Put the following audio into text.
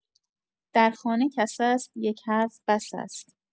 در خانه کس است یک حرف بس است